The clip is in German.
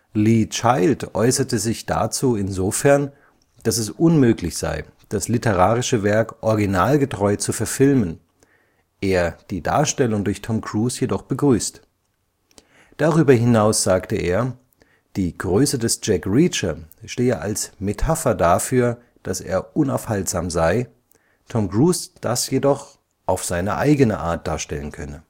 Lee Child äußerte sich dazu insofern, dass es unmöglich sei, das literarische Werk originalgetreu zu verfilmen, er die Darstellung durch Tom Cruise jedoch begrüßt. Darüber hinaus sagte er, die Größe des Jack Reacher stehe als Metapher dafür, dass er unaufhaltsam sei, Tom Cruise das jedoch „ auf seine eigene Art “darstellen könne